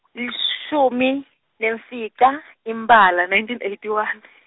lishumi, nemfica, Impala nineteen eighty one.